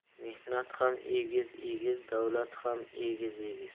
mehnat ham egiz egiz davlat ham egiz egiz